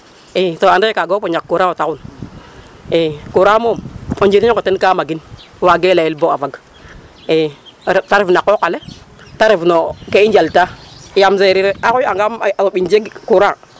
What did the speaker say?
II to ande kaaga fop o ñak courant yo taxun i courant moom o njiriño onqe ten ka magin waagee layel bo a fag, i ta ref na qooq ale ,ta ref no ke i njalta yaam Serir a xooyangaam a soɓ jeg courant